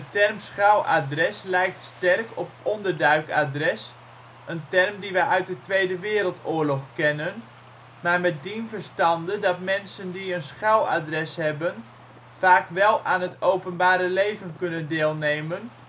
term schuiladres lijkt sterk op onderduikadres, een term die wij uit de Tweede Wereldoorlog kennen, maar met dien verstande dat mensen die een schuiladres hebben vaak wel aan het openbare leven kunnen deelnemen